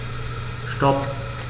Stop.